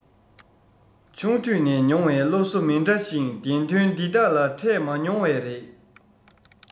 ཆུང དུས ནས མྱོང བའི སློབ གསོ མི འདྲ ཞིང བདེན དོན འདི དག ལ འཕྲད མ མྱོང བས རེད